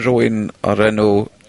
rywun o'r enw